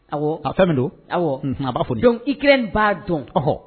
Aw ka fɛn min don aw b'a fɔ dɔn ik b'a dɔn ɔhɔ